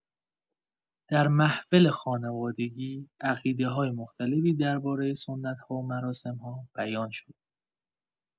در محفل خانوادگی، عقیده‌های مختلفی درباره سنت‌ها و مراسم‌ها بیان شد.